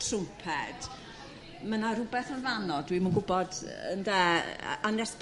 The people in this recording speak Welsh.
trwmped. Ma' 'na r'wbeth yn fan 'no dwi'm yn gw'bod... yrr ynde yrr a nes